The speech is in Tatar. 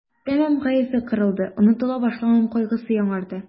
Тәмам кәефе кырылды, онытыла башлаган кайгысы яңарды.